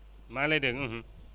maa ngi lay dégg